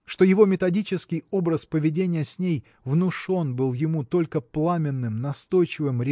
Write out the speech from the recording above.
что его методический образ поведения с ней внушен был ему только пламенным настойчивым